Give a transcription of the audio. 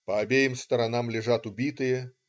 По обеим сторонам лежат убитые.